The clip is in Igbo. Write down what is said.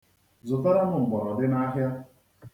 Zụtara m mgbọrọdị n'ahịa.